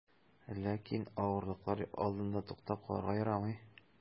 Ләкин авырлыклар алдында туктап калырга ярамый.